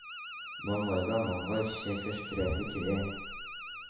Маңгайга-маңгай чәкәштерәсе килә.